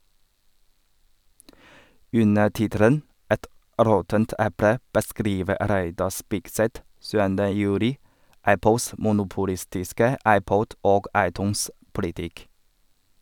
Under tittelen «Et råttent eple» beskriver Reidar Spigseth 7. juli Apples monopolistiske iPod- og iTunes- politikk.